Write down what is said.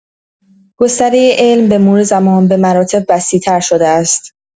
گستره علم به‌مرور زمان به مراتب وسیع‌تر شده است.